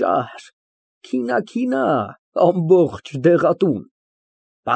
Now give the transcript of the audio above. Ճար, քինաքինա, ամբողջ դեղատուն։